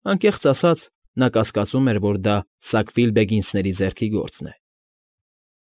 Անկեղծ ասած, նա կասկածում էր, որ դա Սակվիլի֊Բեգինսների ձեռքի գործն է։